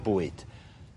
bwyd.